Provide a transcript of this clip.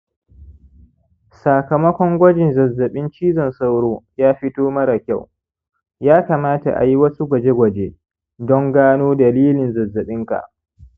sakamakon gwajin zazzaɓin cizon sauro ya fito mara kyau, ya kamata a yi wasu gwaje-gwaje don gano dalilin zazzaɓinka